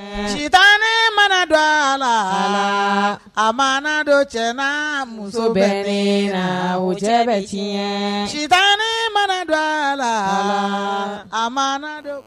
Suta mana dɔ a la a ma don cɛ muso bɛ la o cɛ bɛ tiɲɛ sitan mana don a la a ma don